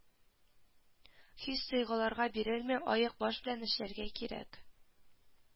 Хис-тойгыларга бирелми аек баш белән эшләргә кирәк